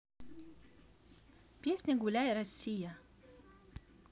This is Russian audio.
песня гуляй россия